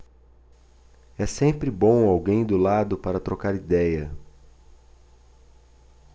é sempre bom alguém do lado para trocar idéia